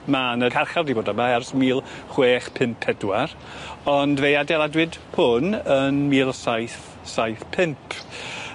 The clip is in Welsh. Ma 'ny carchar 'di bod yma ers mil chwech pump pedwar ond fe adeiladwyd hwn yn mil saith saith pump.